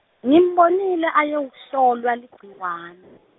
Ngimbonile ayowuhlolwa ligciwane.